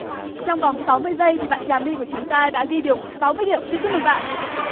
trong vòng sáu mươi giây thì bạn trà my của chúng ta đã ghi được sáu mươi điểm xin chúc mừng bạn